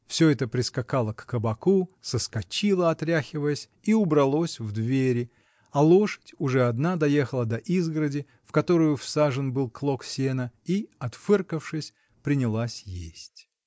Всё это прискакало к кабаку, соскочило, отряхиваясь, и убралось в двери, а лошадь уже одна доехала до изгороди, в которую всажен был клок сена, и, отфыркавшись, принялась есть.